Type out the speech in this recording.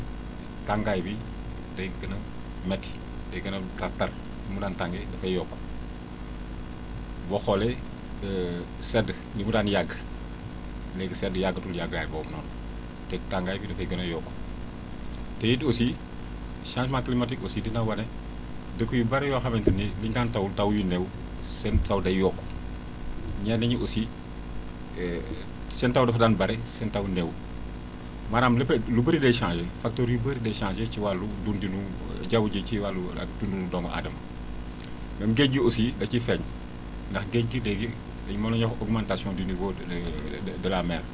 tàngaay bi day gën a métti day gën a tar tar ni mu daan tàngee dafay yokk boo xoolee sedd ni mu daan yàgg legi sedd yàggatul yàggaay boobu noonu te tàngaay bi dafay gën a yokku te it aussi changement climatique aussi dina wane dëkk yu bëre yoo xamante ni bu ñu daan taw taw yu néew seen taw day yokku ñenn ñi aussi seen taw dafa daan bare seen taw néew maanaam léppay lu bëri day changer facteur yu bëri day changer ci wàllu dundinu jaww ji ci wàllu dundinu doomu aadama même géej gi aussi da ciy feeñ ndax géej gi léegi ñun moom la ñuy wax orientation du niveau de de mer